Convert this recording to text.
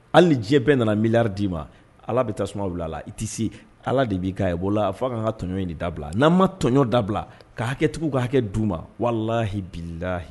Hali diɲɛ bɛɛ nana mi d'i ma ala bɛ taa tasuma la i tɛ ala de b'i ka a la a foa ka kan ka tɔjɔn in de dabila bila n'an ma tɔjɔn dabila ka hakɛtigiw ka hakɛ d'u ma walahi bilalayi